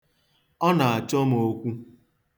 Ọ na-achọ m okwu.